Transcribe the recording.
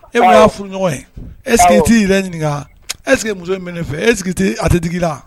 E min y'a furuɲɔgɔn ye, est ce que i t'i yɛrɛ ɲininka est ce que muso in bɛ ne fɛ, est ce que e tɛ tigi i la